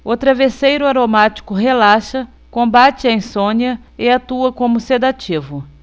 o travesseiro aromático relaxa combate a insônia e atua como sedativo